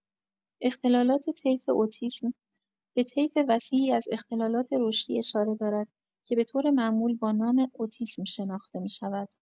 اختلالات طیف اتیسم به طیف وسیعی از اختلالات رشدی اشاره دارد که به‌طور معمول با نام اتیسم شناخته می‌شود.